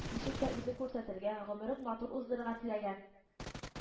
Ничек тә үзен күрсәтергә, гомерең матур уздырырга теләгән